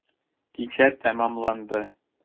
Кичә тәмамланды.